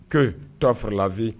Ko tɔlabi